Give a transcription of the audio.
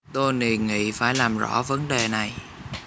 tôi đề nghị phải làm rõ vấn đề này